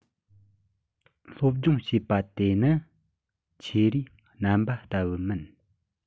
སློབ སྦྱོང བྱེད པ དེ ནི ཆོས རའི རྣམ པ ལྟ བུ མིན